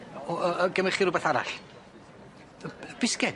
O- o- yy gymrych chi rwbeth arall? Yy b- bisged?